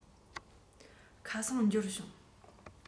ཁ སང འབྱོར བྱུང